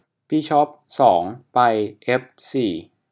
บิชอปสองไปเอฟสี่